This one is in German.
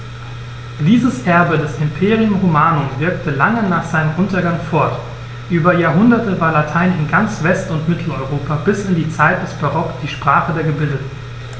Dieses Erbe des Imperium Romanum wirkte lange nach seinem Untergang fort: Über Jahrhunderte war Latein in ganz West- und Mitteleuropa bis in die Zeit des Barock die Sprache der Gebildeten.